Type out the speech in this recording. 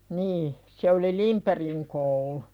niin se oli Lindbergin koulu